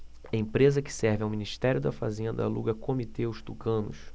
empresa que serve ao ministério da fazenda aluga comitê aos tucanos